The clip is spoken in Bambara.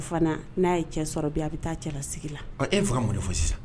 Fana n'a ye cɛ sɔrɔ bi a bɛ taa cɛla sigi la e faga ka mun ne fɔ sisan